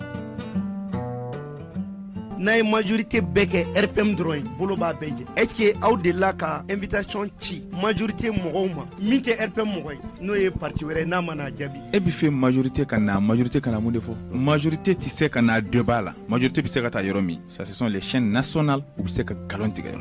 N'a ye majori tɛ bɛɛ kɛ p min dɔrɔn boloa bɛɛ jɛ e aw de la ka e bɛ taaɔn ci majri tɛ mɔgɔw ma min tɛ p mɔgɔ n'o ye pati wɛrɛ n'a mana jaabi e bɛ fɛ marite ka' majuru tɛ ka na mun de fɔ majorite tɛ se ka dɔ b'a la maj te bɛ se ka taa yɔrɔ min sasi leyɛn na sɔn u bɛ se ka nkalon tigɛ